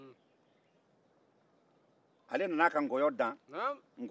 ale nana a ka nkɔyɔ dan